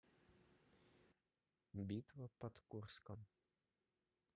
битва под курском